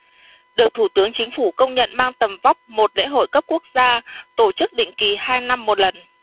được thủ tướng chính phủ công nhận mang tầm vóc một lễ hội cấp quốc gia tổ chức định kỳ hai năm một lần